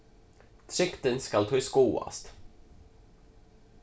trygdin skal tí skoðast